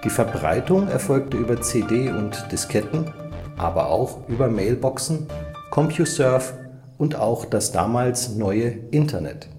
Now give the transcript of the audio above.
Verbreitung erfolgte über CD und Disketten, aber auch über Mailboxen, Compuserve und auch das damals neue Internet